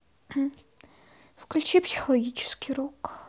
включи психоделический рок